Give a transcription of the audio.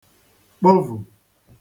kpovu